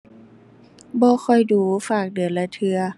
บ่ค่อยดู๋ ฝากเดือนละเทื่อ